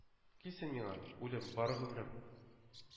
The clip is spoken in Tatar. Кил син миңа, үлем, бары гомрем